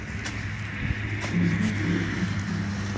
биография пушкина